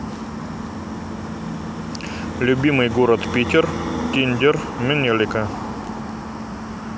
любимый город питер тиндер менелика